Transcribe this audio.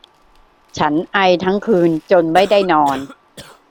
ฉันไอทั้งคืนจนไม่ได้นอน